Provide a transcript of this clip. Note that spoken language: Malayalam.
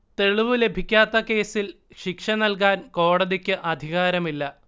തെളിവു ലഭിക്കാത്ത കേസിൽ ശിക്ഷ നല്കാൻ കോടതിക്ക് അധികാരമില്ല